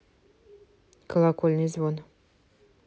колокольный звон